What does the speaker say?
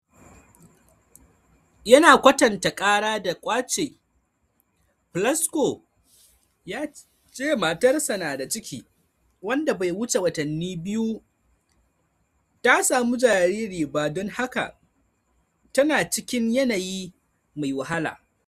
ya na kwatanta kara da “kwace,” Plasco ya ce matarsa na da ciki wanda bai wuce watanni biyu ta samu jariri ba don haka tana cikin "yanayi mai wahala."